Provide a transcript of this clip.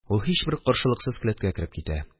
Ул һичбер каршылыксыз келәткә кереп китә